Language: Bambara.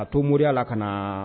A to moriɔriya la ka na